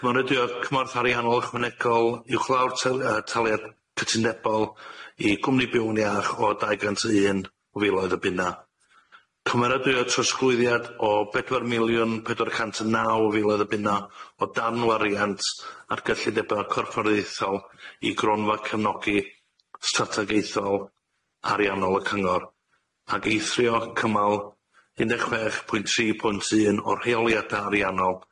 Cymyradwyo cymorth ariannol ychwanegol uwchlaw'r tely- yy taliad cytundebol i gwmni byw'n iach o dau gant a un o filoedd y bunna. Cymeradwya trosglwyddiad o bedwar miliwn pedwar cant a naw filoedd o bunna o danwariant ar gyllideba corfforddieithol i gronfa cefnogi strategaethol ariannol y cyngor ag eithrio cymal un deg chwech pwynt tri pwynt un o rheoliada ariannol.